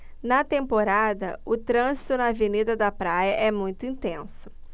na temporada o trânsito na avenida da praia é muito intenso